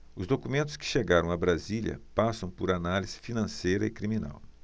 os documentos que chegaram a brasília passam por análise financeira e criminal